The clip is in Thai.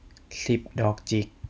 สิบดอกจิก